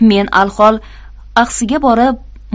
men alhol axsiga borib